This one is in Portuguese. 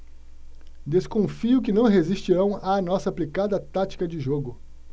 desconfio que não resistirão à nossa aplicada tática de jogo